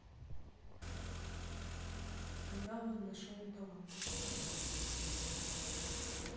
скандалы на шоу талантов